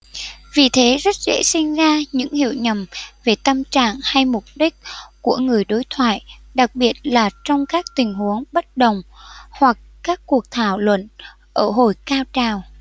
vì thế rất dễ sinh ra những hiểu nhầm về tâm trạng hay mục đích của người đối thoại đặc biệt là trong các tình huống bất đồng hoặc các cuộc thảo luận ở hồi cao trào